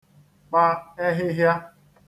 kpa ẹhị̄hịā